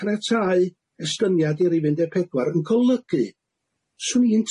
caniatáu estyniad i'r rhif un deg pedwar yn golygu 'swn i'n